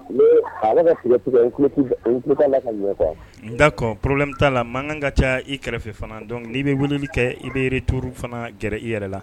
Ee a bɛ ka tigɛ tigɛ. N kulo ta la ka ɲɛ quoi . d'accord problème ta la mankan ka ca i kɛrɛfɛ fana . Donc ni bi weleli kɛ i bi retour fana gɛrɛ i yɛrɛ la